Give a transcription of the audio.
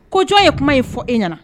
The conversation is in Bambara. Ko jɔn ye kuma ye fɔ e nana